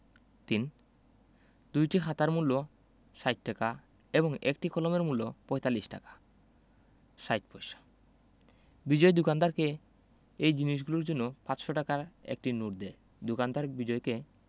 ৩ দুইটি খাতার মূল্য ৬০ টাকা এবং একটি কলমের মূল্য ৪৫ টাকা ৬০ পয়সা বিজয় দোকানদারকে এই জিনিসগুলোর জন্য ৫০০ টাকার একটি নোট দেয় দোকানদার বিজয়কে